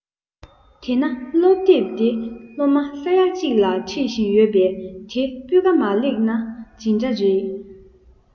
དེ ན སློབ དེབ དེ སློབ མ ས ཡ གཅིག ལ ཁྲིད བཞིན ཡོད པས དེ སྤུས ཀ མ ལེགས ན ཇི འདྲ རེད